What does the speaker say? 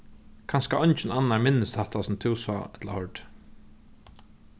kanska eingin annar minnist hatta sum tú sá ella hoyrdi